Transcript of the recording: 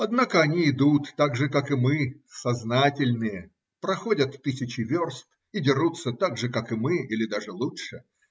Однако они идут так же, как и мы, "сознательные", проходят тысячи верст и дерутся так же, как и мы, или даже лучше.